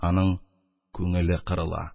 Аның күңеле кырыла!